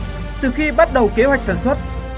từ khi bắt đầu kế hoạch sản xuất